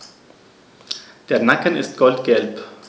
Der Nacken ist goldgelb.